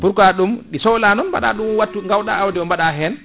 pourquoi ɗum ɗi sohla non baɗa wattu gowɗa awde o baɗa hen